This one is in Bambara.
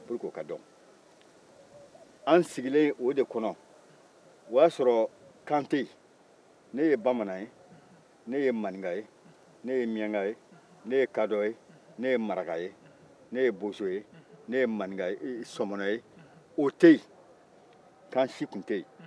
walasa o ka dɔn an sigilen o de kɔnɔ o y'a sɔrɔ kan tɛ yen ne bamanan ye ne ye maninka ye ne ye miyanka ye ne ye kaadɔ ye ne ye maraka ye ne ye bozo ye ne ye sɔmɔnɔ ye o tɛ yen kan si tun tɛ yen